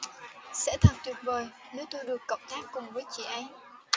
sẽ thật tuyệt vời nếu tôi được cộng tác cùng với chị ấy